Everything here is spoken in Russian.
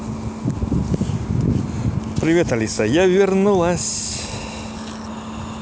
привет алиса я вернулась